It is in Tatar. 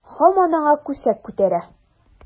Һаман аңа күсәк күтәрә.